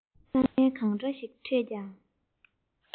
དཀའ ངལ གང འདྲ ཞིག ཕྲད ཀྱང